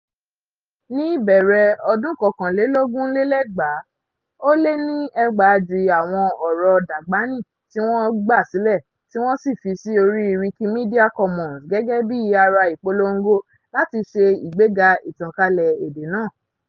Ní ìbẹ̀rẹ̀ ọdún 2021, ó lé ní 4000 àwọn ọ̀rọ̀ Dagbani ni wọ́n gbà sílẹ̀ tí wọ́n sì fi sí orí Wikimedia Commons gẹ́gẹ́ bíi ara ìpolongo láti ṣe ìgbéga ìtànkálẹ̀ èdè náà